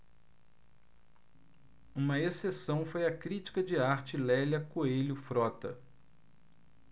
uma exceção foi a crítica de arte lélia coelho frota